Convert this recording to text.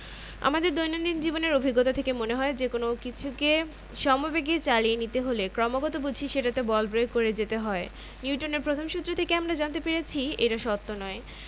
৩.১ জড়তা বা ইনারশিয়া এবং বলের ধারণা নিউটনের প্রথম সূত্র এর আগের অধ্যায়ে আমরা বেগ দ্রুতি ত্বরণ এবং মন্দন